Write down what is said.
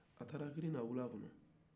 a taara kirina wula kɔnɔ